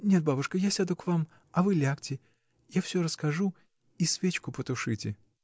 — Нет, бабушка — я сяду к вам, а вы лягте: я всё расскажу — и свечку потушите.